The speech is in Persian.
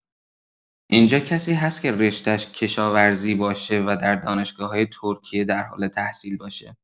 اینجا کسی هست که رشته ش کشاورزی باشه و در دانشگاه‌‌های ترکیه در حال تحصیل باشه؟